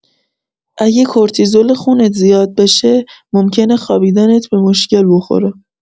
اگه کورتیزول خونت زیاد بشه، ممکنه خوابیدنت به مشکل بخوره.